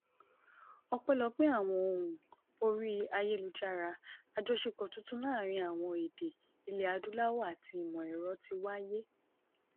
Ọpẹ́lọpẹ́ àwọn ohùn orí ayélujára, àjọṣepọ̀ tuntun láàárín àwọn èdè ilẹ̀ Adúláwọ̀ àti ìmọ̀-ẹ̀rọ ti wáyé.